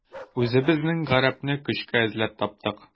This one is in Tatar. Үзебезнең гарәпне көчкә эзләп таптык.